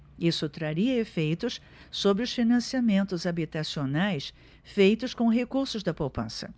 isso traria efeitos sobre os financiamentos habitacionais feitos com recursos da poupança